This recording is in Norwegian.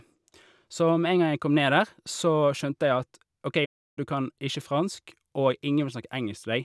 Så med en gang jeg kom ned der, så skjønte jeg at OK du kan ikke fransk, og ingen vil snakke engelsk til deg.